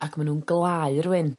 ac ma' nw'n glau rywun